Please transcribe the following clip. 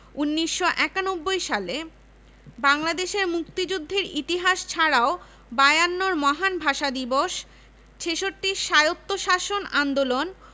২৮ জন কর্মচারীসহ ১৫০ জন শহীদের নাম লিপিবদ্ধ হয়েছে মহান স্বাধীনতা ও মুক্তিযুদ্ধের স্মরণে ডাকসু কলাভবনের সামনে